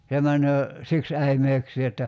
se menee siksi äimeyksiin että